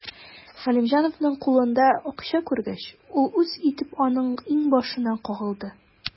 Галимҗановның кулында акча күргәч, ул үз итеп аның иңбашына кагылды.